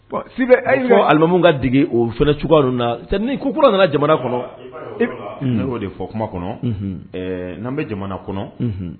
Silimamu ka degeigi o fana cogoya ko kura nana jamana kɔnɔ'o de fɔ kuma kɔnɔ n'an bɛ jamana kɔnɔ